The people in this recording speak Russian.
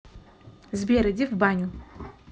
сбер иди в баню